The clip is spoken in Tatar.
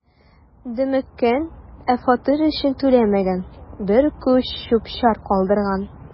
„дөмеккән, ә фатир өчен түләмәгән, бер күч чүп-чар калдырган“.